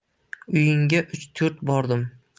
uyingga uch to'rt bordim